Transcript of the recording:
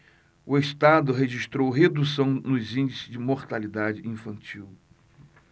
o estado registrou redução nos índices de mortalidade infantil